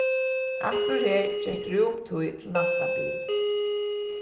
aftur her gekk rúm tíð til næsta bil